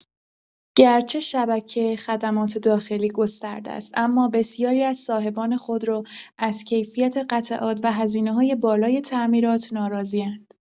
گرچه شبکه خدمات داخلی گسترده است، اما بسیاری از صاحبان خودرو از کیفیت قطعات و هزینه‌های بالای تعمیرات ناراضی‌اند.